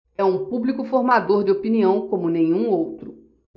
é um público formador de opinião como nenhum outro